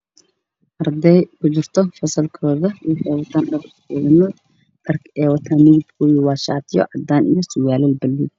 Waa arday iskoolka ay fadhiyaan dhar shati cadaan sarwaalo buluug ay wataan kuraasta ay ku fadhiyaan